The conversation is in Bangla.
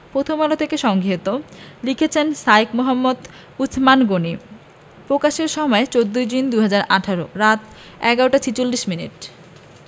প্রথমআলো হতে সংগৃহীত লিখেছেন শাঈখ মুহাম্মদ উছমান গনী প্রকাশের সময় ১৪ জুন ২০১৮ রাত ১১টা ৪৬ মিনিট